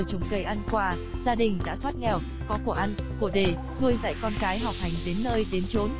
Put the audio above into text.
nhờ trồng cây ăn quả gia đình đã thoát nghèo có của ăn của để nuôi dạy con cái học hành đến nơi đến chốn